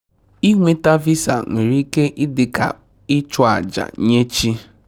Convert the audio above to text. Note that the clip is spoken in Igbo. ịnweta Visa nwere ike ịdị ka ichụ aja nye chi.